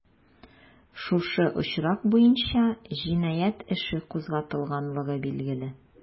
Шушы очрак буенча җинаять эше кузгатылганлыгы билгеле.